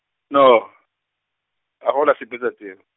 no, a gona sepe sa tseno.